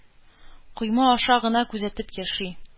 Койма аша гына күзәтеп яши.